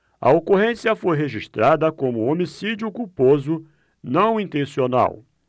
a ocorrência foi registrada como homicídio culposo não intencional